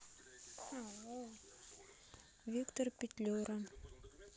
виктор петлюра